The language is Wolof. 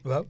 waaw